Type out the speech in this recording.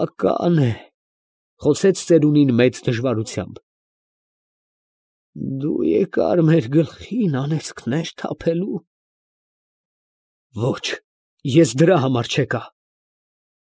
Բավական է, ֊ խոսեց ծերունին մեծ դժվարությամբ։ ֊ Դու եկար մեր գլխին անեծքնե՞ր թափելու։ ֊ Ո՛չ, ես դրա համար չեկա։